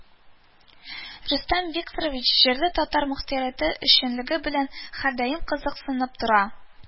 Рөстәм Викторович җирле татар мохтәрияте эшчәнлеге белән һәрдаим кызыксынып тора